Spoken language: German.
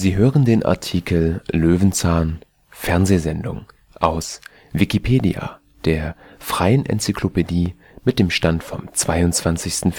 hören den Artikel Löwenzahn (Fernsehsendung), aus Wikipedia, der freien Enzyklopädie. Mit dem Stand vom